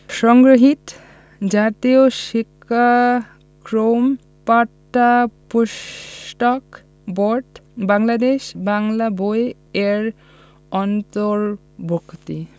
সংগৃহীত জাতীয় শিক্ষাক্রম ও পাঠ্যপুস্তক বোর্ড বাংলাদেশ বাংলা বই এর অন্তর্ভুক্ত